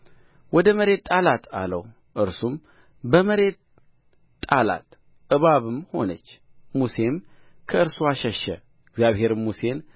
ወደ መሬት ጣላት አለው እርሱም በመሬት ጣላት እባብም ሆነች ሙሴም ከእርሷ ሸሸ እግዚአብሔርም ሙሴን